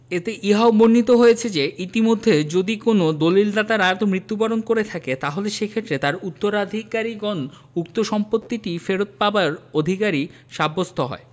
এতে ইহাও বর্ণিত হয়েছে যে ইতমধ্যে যদি কোন দলিলদাতা রায়ত মৃত্যুবরণ করে থাকে তাহলে সেক্ষেত্রে তার উত্তরাধিকারীগণ উক্ত সম্পত্তিটি ফেরত পাবার অধিকারী সাব্যস্ত হয়